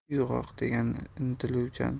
uyg'oq degani intiluvchan